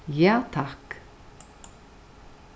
ja takk